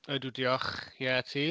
ydw diolch ie a ti?